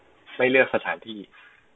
ไม่เลือกสถานที่